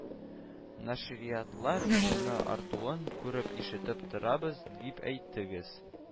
Нәшриятлар саны артуын күреп-ишетеп торабыз, дип әйттегез